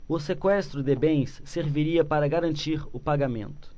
o sequestro de bens serviria para garantir o pagamento